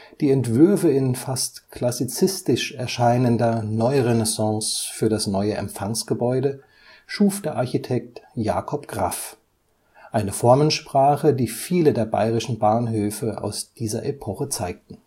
Die Entwürfe in fast klassizistisch erscheinender Neurenaissance für das neue Empfangsgebäude schuf der Architekt Jakob Graff – eine Formensprache, die viele der bayerischen Bahnhöfe aus dieser Epoche zeigten